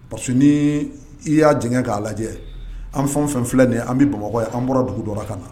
Parce ni i y'a jɛ k'a lajɛ an fɛn fɛn filɛ nin an bɛ bamakɔ ye an bɔra dugu dɔ ka na